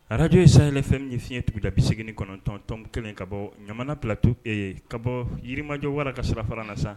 Arajo ye sayɛlɛfɛn fiɲɛɲɛtigi dabise9tɔntɔn kelen ka bɔ ɲamana p tue ye ka bɔ yiriirimajɔwa ka sira fara na sa